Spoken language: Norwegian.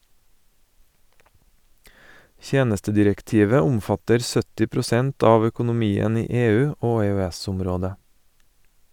- Tjenestedirektivet omfatter 70 prosent av økonomien i EU og EØS-området.